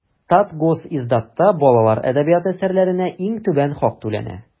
Татгосиздатта балалар әдәбияты әсәрләренә иң түбән хак түләнә.